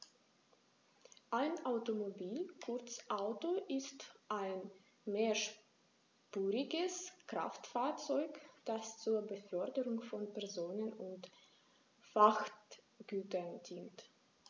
Ein Automobil, kurz Auto, ist ein mehrspuriges Kraftfahrzeug, das zur Beförderung von Personen und Frachtgütern dient.